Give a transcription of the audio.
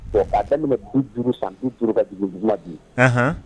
Bon k'a daminɛ 50 san 50 ka jigin duguma bi anhan